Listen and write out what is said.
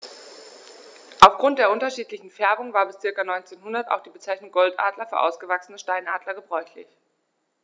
Auf Grund der unterschiedlichen Färbung war bis ca. 1900 auch die Bezeichnung Goldadler für ausgewachsene Steinadler gebräuchlich.